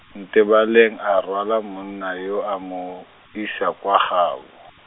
Ntebaleng a rwala monna yo a mo, isa kwa gabo.